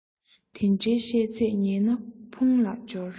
དེ འདྲའི བཤད ཚད ཉན ན ཕུང ལ སྦྱོར